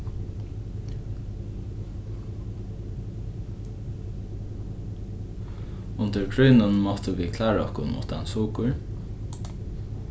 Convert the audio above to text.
undir krígnum máttu vit klára okkum uttan sukur